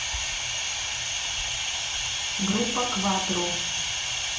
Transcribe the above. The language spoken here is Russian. группа кватро